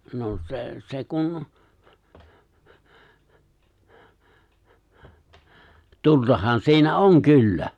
no se se kun tultahan siinä on kyllä